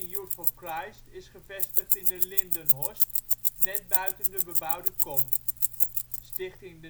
Youth for Christ is gevestigd in de Lindenhorst, net buiten de bebouwde kom. Stichting